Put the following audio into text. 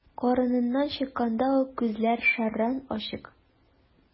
Карыныннан чыкканда ук күзләр шәрран ачык.